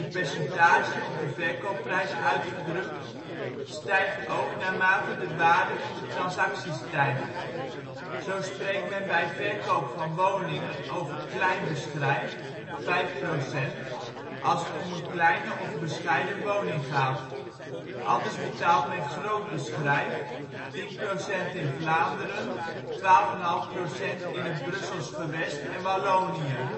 percentage op de verkoopprijs uitgedrukt) stijgt ook naarmate de waarde van de transactie stijgt. Zo spreekt men bij verkoop van woningen over klein beschrijf (5 %) als het om een kleine of bescheiden woning gaat. Anders betaalt men groot beschrijf (10 % in Vlaanderen, 12,5 % in het Brussels Gewest en Wallonië